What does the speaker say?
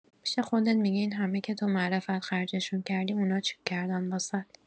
پیش خودت می‌گی اینهمه که تو معرفت خرجشون کردی اونا چی کردن واست؟